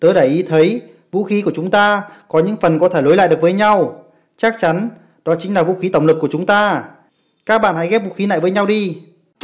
vx khí của chúng ta có thể nối lại được với nhau trở thành vũ khí tổng lực các bạn hãy ghép lại đi